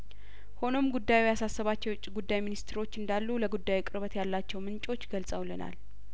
ሆኖም ጉዳዩ ያሳሰባቸው የውጭ ጉዳይሚኒስቴሮች እንዳሉ ለጉዳዩ ቅርበት ያላቸውምንጮች ገልጸውልናል